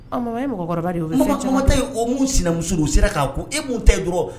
A ye mɔgɔkɔrɔba caman ye o mun sinamuso sera k'a ko e kun tɛ yen dɔrɔn